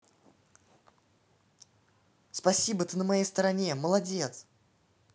спасибо ты на моей стороне молодец